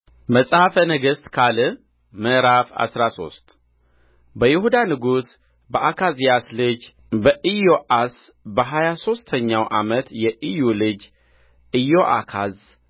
መጽሐፈ ነገሥት ካልዕ ምዕራፍ አስራ ሶስት በይሁዳ ንጉሥ በአካዝያስ ልጅ በኢዮአስ በሀያ ሦስተኛው ዓመት የኢዩ ልጅ ኢዮአካዝ